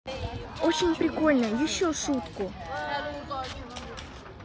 очень прикольно еще шутку